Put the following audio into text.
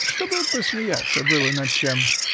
чтобы посмеяться было над чем.